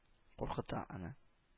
Куркыта аны